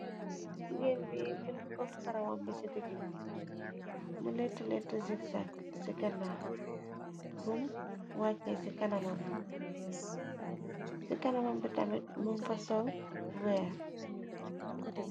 Jigéen bi mëngi pof karawam bi ci digg bi, mu letu letu zigak ci gannaaw, bum waachee ci kanamam, ci kanamam bi tamit mung fasol wehrre.